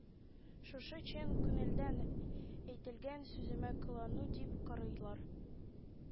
Шушы чын күңелдән әйтелгән сүземә «кылану» дип карыйлар